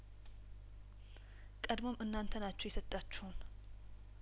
ቀድሞም እናንተ ናችሁ የሰጣችሁን